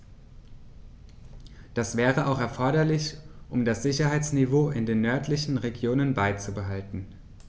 Das wäre auch erforderlich, um das Sicherheitsniveau in den nördlichen Regionen beizubehalten.